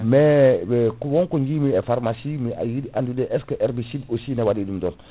mais ɓe wonko jiimi e pharmacie be a yiiɗi andude est ce que herbicide ne waɗi ɗum ɗon